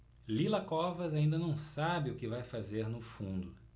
lila covas ainda não sabe o que vai fazer no fundo